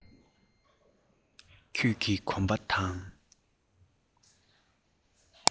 ཁྱོད ཀྱི གོམ པ དང